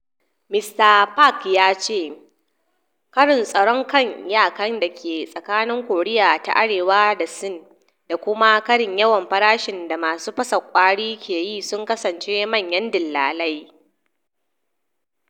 Mr Park ya ce, karin tsaron kan iyakan da ke tsakanin Koriya ta Arewa da Sin da kuma karin yawan farashin da masu fasa kwari ke yi sun kasance manyan dalilai.